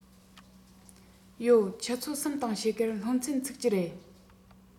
ཡོད ཆུ ཚོད གསུམ དང ཕྱེད ཀར སློབ ཚན ཚུགས ཀྱི རེད